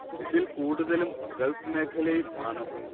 ഇതിൽ കൂടുതലും ഗൾഫ് മേഖലയിൽ ആണ്